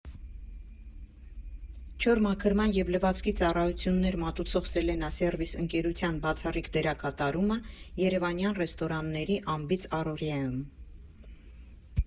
Չոր մաքրման և լվացքի ծառայություններ մատուցող «Սելենա սերվիս» ընկերության բացառիկ դերակատարումը երևանյան ռեստորանների անբիծ առօրյայում։